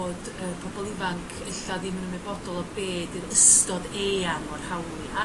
bod yr pobol ifanc ella ddim yn ymwybodol o be 'di'r ystod eang o'r hawlia'